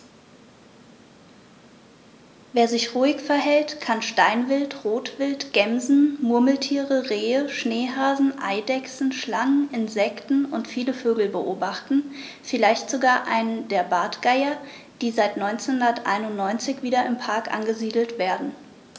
Wer sich ruhig verhält, kann Steinwild, Rotwild, Gämsen, Murmeltiere, Rehe, Schneehasen, Eidechsen, Schlangen, Insekten und viele Vögel beobachten, vielleicht sogar einen der Bartgeier, die seit 1991 wieder im Park angesiedelt werden.